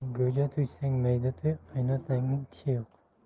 go'ja tuysang mayda tuy qaynotangning tishi yo'q